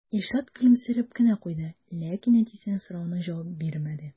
Илшат көлемсерәп кенә куйды, ләкин әтисенең соравына җавап бирмәде.